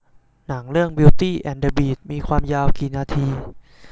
หนังเรื่องบิวตี้แอนด์เดอะบีสต์มีความยาวกี่นาที